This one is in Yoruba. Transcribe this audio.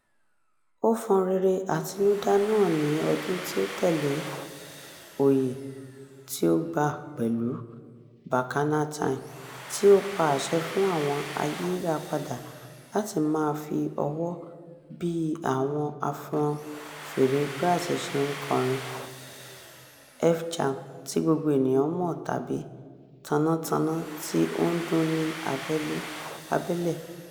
Ó fọn rere àtinúdá náà ní ọdún tí ó tẹ̀lé oyè tí ó gbà pẹ̀lú "Bacchanal Time", tí ó pa àṣẹ fún àwọn ayírapadà láti máa "fi ọwọ́ " bí àwọn afọnfèrè brass ṣe ń kọrin "F-jam" tí gbogbo ènìyàn mọ̀ tàbí "tantana" tí ó ń dún ní abẹ́lẹ̀.